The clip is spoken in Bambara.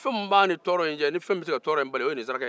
fɛnmin be se ka tɔɔrɔ in bali o ye nin saraka i ye